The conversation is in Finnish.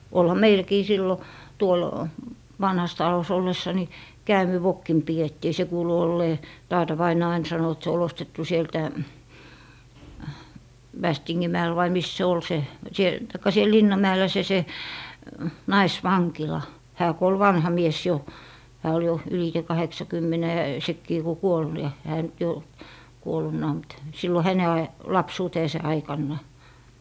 olihan meilläkin silloin tuolla vanhassa talossa ollessa niin käämivokkina pidettiin se kuului olleen taata vainaa aina sanoi että se oli ostettu sieltä Västingin mäellä vai missä se oli se - tai siellä linnan mäellä se se naisvankila hän kun oli vanha mies jo hän oli jo ylitse kahdeksankymmenen sekin kun kuoli ja hän nyt jo kuolleenakin mutta silloin hänen - lapsuutensa aikana